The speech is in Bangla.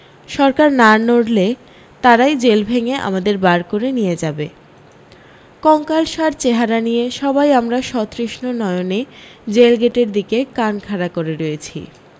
সরকার না নড়লে তারাই জেল ভেঙে আমাদের বার করে নিয়ে যাবে কঙ্কালসার চেহারা নিয়ে সবাই আমরা সতৃষঞু নয়নে জেলগেটের দিকে কান খাড়া করে রয়েছি